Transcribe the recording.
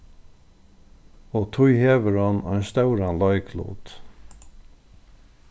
og tí hevur hon ein stóran leiklut